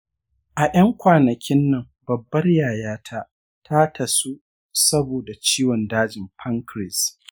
a ƴan-kwanakinan babbar yayata ta tasu saboda ciwo dajin pancreas